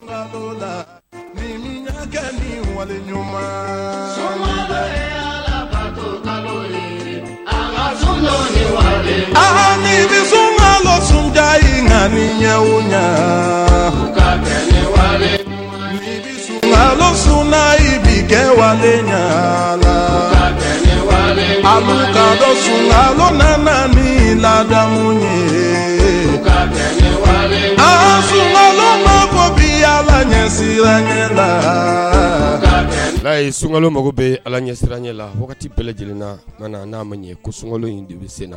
La ɲuman a sun sunjataka in ka ɲɛ ɲɛ in bɛ kɛ wali ɲɛ la a maka sunka na min lamu ye ka a sun mago bɛ ala ɲɛ siran ɲɛ la sunkalo mago bɛ ala ɲɛ siranranjɛ lati bɛɛlɛ lajɛlenna ka n'a ma ɲɛ ko sun in dibise na